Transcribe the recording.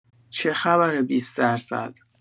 چخبره ۲۰ درصد!